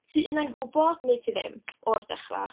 Ti un ai'n gwbod, neu ti ddim, o'r dechrau.